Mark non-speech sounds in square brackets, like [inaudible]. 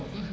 [hesitation] [hesitation]